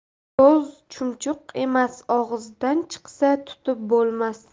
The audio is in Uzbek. so'z chumchuq emas og'izdan chiqsa tutib bo'lmas